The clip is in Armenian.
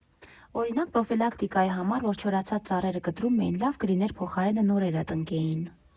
Օրինակ՝ պռոֆիլակտիկայի համար, որ չորացած ծառերը կտրում էին, լավ կլիներ փոխարենը նորերը տնկեին։